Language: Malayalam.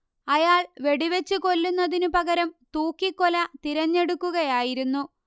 അയാൾ വെടിവച്ച് കൊല്ലുന്നതിനു പകരം തൂക്കിക്കൊല തിരഞ്ഞെടുക്കുകയായിരുന്നു